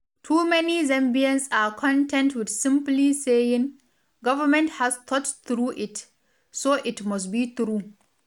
Too many Zambians are content with simply saying, “government has thought through it, so it must be true”.